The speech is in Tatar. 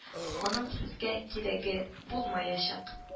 — аның сезгә кирәге булмаячак